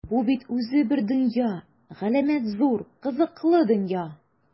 Бу бит үзе бер дөнья - галәмәт зур, кызыклы дөнья!